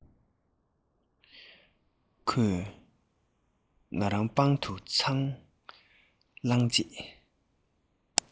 ཁོས ང རང པང དུ ཚུར བླངས རྗེས